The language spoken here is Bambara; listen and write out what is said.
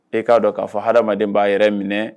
Bɛɛ k'a dɔn k'a fɔ ko hadamaden b’a yɛrɛ minɛ